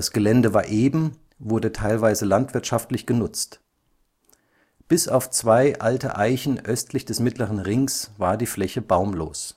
Gelände war eben, wurde teilweise landwirtschaftlich genutzt. Bis auf zwei alte Eichen östlich des Mittleren Rings war die Fläche baumlos